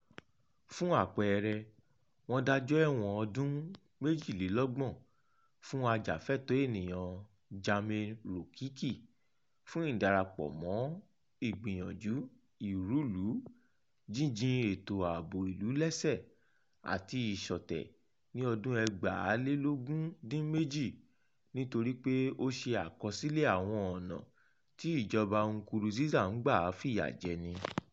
Fún àpẹẹrẹ, wọ́n dájọ́ ẹ̀wọ̀n ọdún méjìlélọ́gbọ̀n fún ajàfẹ́tọ̀ọ́ ènìyàn Germain Rukiki fún ìdarapọ̀ mọ́ ìgbìyànjú ìrúlùú, jíjin ètò ààbò ìlú lẹ́sẹ̀, àti ìṣọ̀tẹ̀ ní 2018 nítorí pé ó ṣe àkọsílẹ̀ àwọn ọ̀nà tí ìjọba Nkurunziza ń gbà fìyà jẹni.